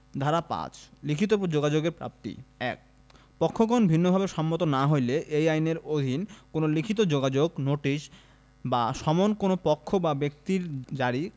ধারা ৫ লিখিত যোগাযোগের প্রাপ্তিঃ ১ পক্ষগণ ভিন্নভাবে সম্মত না হইলে এই আইনের অধীন কোন লিখিত যোগাযোগ নোটিশ বা সমন কোন পক্ষ বা ব্যক্তির জারী